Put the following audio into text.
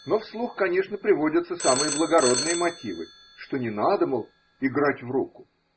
Но вслух, конечно, приводятся самые благородные мотивы – что не надо. мол. играть в руку.